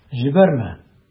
Җибәрмә...